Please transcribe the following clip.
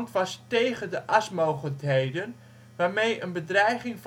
was tegen de asmogendheden, waarmee een bedreiging